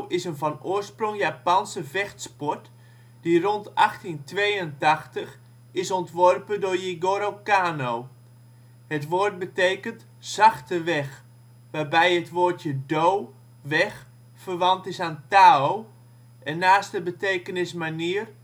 is een van oorsprong Japanse vechtsport die rond 1882 is ontworpen door Jigoro Kano. Het woord betekent ' zachte weg ', waarbij het woordje do (weg) verwant is aan tao en naast de betekenis ' manier